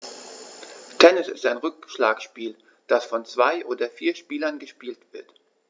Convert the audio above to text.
Tennis ist ein Rückschlagspiel, das von zwei oder vier Spielern gespielt wird.